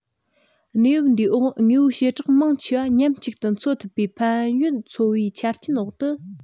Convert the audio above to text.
གནས བབ འདིའི འོག དངོས པོའི བྱེ བྲག མང ཆེ བ མཉམ གཅིག ཏུ འཚོ ཐུབ པའི ཕན ཡོད འཚོ བའི ཆ རྐྱེན འོག ཏུ